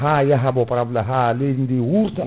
ha yaha ba pa* ha leydi ndi wurta